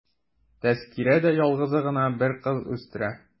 Тәзкирә дә ялгызы гына бер кыз үстерә.